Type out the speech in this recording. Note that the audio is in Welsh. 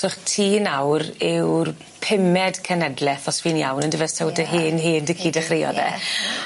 So 'ych ti nawr yw'r pumed cenedleth os fi'n iawn yndyfe so dy hen hen dy'cu dechreuodd e?